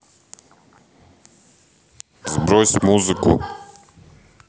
сбрось музыку